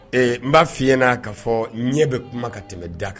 Ee n b'a fɔ'i n'a'a fɔ ɲɛ bɛ kuma ka tɛmɛ da kan